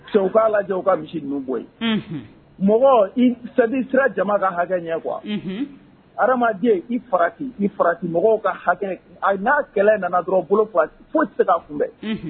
Cɛ u k'a lajɛ ka misi ninnu bɔ yen, unhun, mɔgɔ ça dire siran jama ka hakɛ ɲɛ quoi Unhun, i farati , i farati mɔgɔw ka hakɛ, ayi, n'a kɛlɛ nana dɔrɔn bolo 2 tɛ se foyi tɛ se k'a kun la bɛ, Unhun,